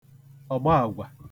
̀ọ̀gbaàgwa